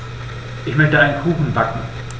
Ich möchte einen Kuchen backen.